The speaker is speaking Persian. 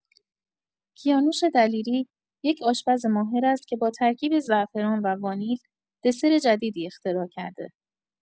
کیانوش دلیری، یک آشپز ماهر است که با ترکیب زعفران و وانیل، دسر جدیدی اختراع کرده.